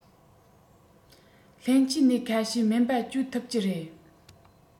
ལྷན སྐྱེས ནད ཁ ཤས སྨན པ བཅོས ཐུབ ཀྱི རེད